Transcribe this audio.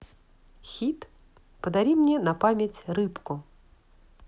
хит подари мне на память рыбку